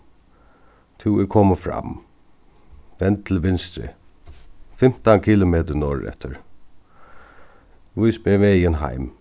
tú ert komin fram vend til vinstru fimtan kilometur norðureftir vís meg vegin heim